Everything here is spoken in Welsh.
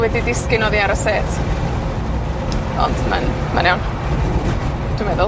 wedi disgyn oddi ar y set. Ond ma'n ma'n iawn, dwi meddwl.